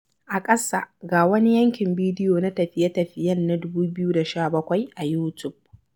A ƙasa ga wani yankin bidiyo na tafiye-tafiyen na 2017 a Youtube: